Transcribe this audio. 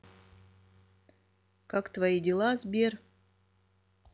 как твои дела сбер